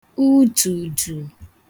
udtùdtù